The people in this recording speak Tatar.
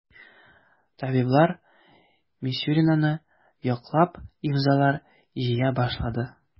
Табиблар Мисюринаны яклап имзалар җыя башлады.